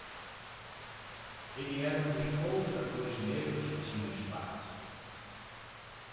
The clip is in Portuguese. ele era um dos poucos atores negros que tinham espaço